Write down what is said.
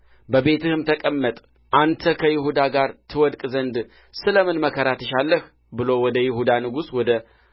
በቤትህም ተቀመጥ አንተ ከይሁዳ ጋር ትወድቅ ዘንድ ስለ ምን መከራ ትሻለህ ብሎ ወደ ይሁዳ ንጉሥ ወደ